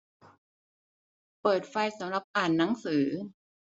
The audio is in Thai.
เปิดไฟสำหรับอ่านหนังสือ